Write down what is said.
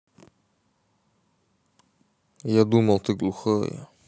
я думал ты глухая